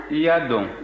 i y'a dɔn